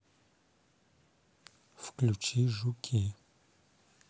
включи жуки